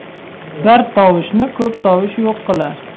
bir tovushni ko'p tovush yo'q qilar